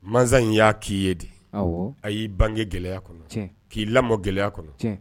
Masa in y'a k'i ye de a y'i bange gɛlɛya kɔnɔ k'i lamɔ gɛlɛya kɔnɔ